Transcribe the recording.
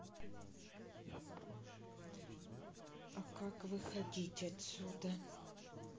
а как выходить отсюда